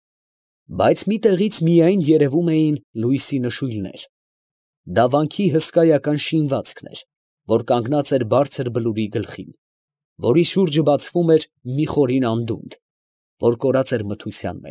Բայց մի տեղից միայն երևում էին լույսի նշույլներ. դա վանքի հսկայական շինվածքն էր, որ կանգնած էր բարձր բլուրի գլխին, որի շուրջը բացվում էր մի խորին անդունդ, որ կորած էր մթության։